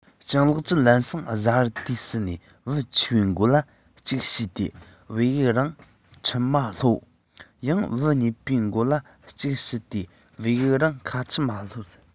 སྤྱང ལགས ཀྱིས ལམ སེང བཟའ རུ དེ ཟིན ནས བུ ཆེ བའི མགོ ལ གཅིག ཞུས ཏེ བེའུ རང ཁ ཆུ མ གློད ཡང བུ གཉིས པའི མགོ ལ གཅིག ཞུས ཏེ བེའུ རང ཁ ཆུ མ གློད